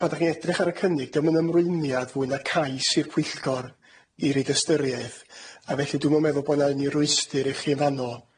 Pan dach chi'n edrych ar y cynnig, dio'm yn ymrwymiad fwy na cais i'r pwyllgor i reid ystyriaeth, a felly dwi'm yn meddwl bo' 'na unryw rwystyr i chi'n fanno.